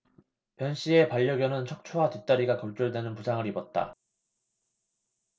변씨의 반려견은 척추와 뒷다리가 골절되는 부상을 입었다